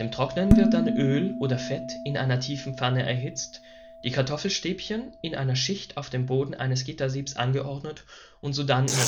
Trocknen wird dann Öl oder Fett in einer tiefen Pfanne erhitzt, die Kartoffelstäbchen in einer Schicht auf dem Boden eines Gittersiebs angeordnet und sodann